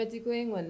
Pati ko in gan